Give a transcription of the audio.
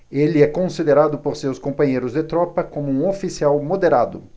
ele é considerado por seus companheiros de tropa como um oficial moderado